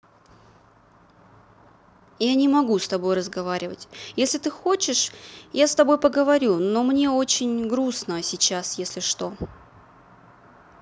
я не могу с тобой разговаривать если ты хочешь я с тобой поговорю но мне очень грустно сейчас если что